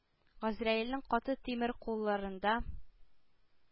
Газраилнең каты тимер кулларында.